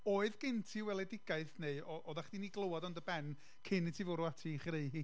Oedd gen ti weldedigaeth, neu o- oeddach chdi'n ei glywed o yn dy ben cyn i ti fwrw ati i chreu hi?